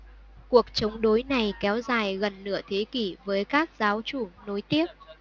cuộc chống đối này kéo dài gần nửa thế kỷ với các giáo chủ nối tiếp